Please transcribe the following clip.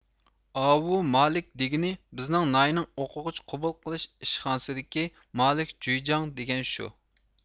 ئاۋۇ مالىك دىگىنى بىزنىڭ ناھىينىڭ ئۇقۇغۇچى قۇبۇل قىلىش ئىشخانىسدىكى مالىك جۇيجاڭ دىگەن شۇ